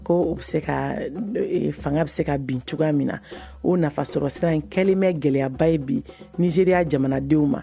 Ko bɛ se fanga bɛ se ka bin cogoya min na o nafa sɔrɔ siran in kɛlenmɛ gɛlɛyaba ye bi ni zeriya jamanadenw ma